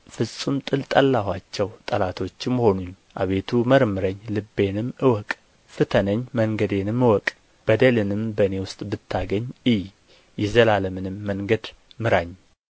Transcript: ፍጹም ጥል ጠላኋቸው ጠላቶችም ሆኑኝ አቤቱ መርምረኝ ልቤንም እወቅ ፍተነኝ መንገዴንም እወቅ በደልንም በእኔ ውስጥ ብታገኝ እይ የዘላለምንም መንገድ ምራኝ